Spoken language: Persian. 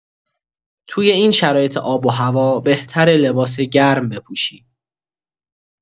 توی این شرایط آب و هوا، بهتره لباس گرم بپوشی.